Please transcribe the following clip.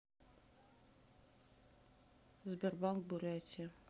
сбербанк бурятия